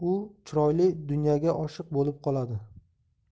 u chiroyli dunyaga oshiq bo'lib qoladi